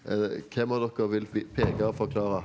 hvem av dere vil peke og forklare?